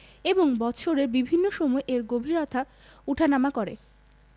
এবং বৎসরের বিভিন্ন সময় এর গভীরতা উঠানামা করে